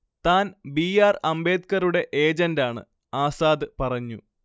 താൻ B. R അംബേദ്കറുടെ ഏജന്റാണ്- ആസാദ് പറഞ്ഞു